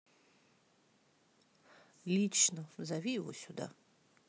лично зови его сюда